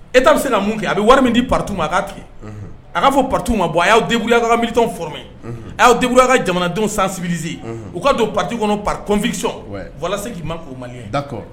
E taarari se na mun kɛ a bɛ wari min di patuma ma kaa tigɛ a k'a fɔ patima bɔ a y'a denbuyaka mit foromɛ a y'a debuya ka jamanadenw san sibize u k kaa don pati kɔnɔ pakɔnfisɔn walasalase k'i man da kɔ